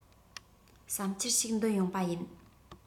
བསམ འཆར ཞིག འདོན ཡོང པ ཡིན